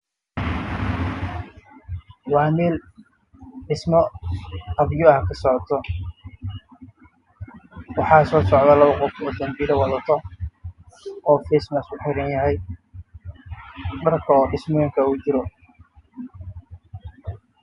Waa meel dhismo ka socda dad. Ayaa jooag